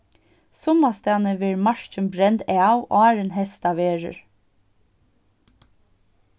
summastaðni verður markin brend av áðrenn heystað verður